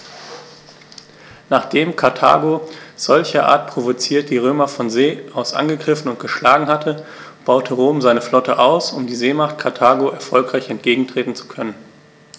Nachdem Karthago, solcherart provoziert, die Römer von See aus angegriffen und geschlagen hatte, baute Rom seine Flotte aus, um der Seemacht Karthago erfolgreich entgegentreten zu können.